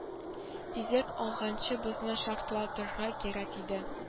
Тизлек алганчы бозны шартлатырга кирәк иде